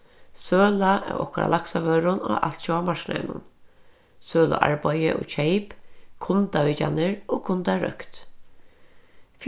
søla av okkara laksavørum á altjóða marknaðinum søluarbeiði og keyp kundavitjanir og kundarøkt